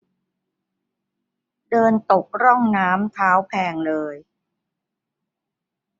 เดินตกร่องน้ำเท้าแพลงเลย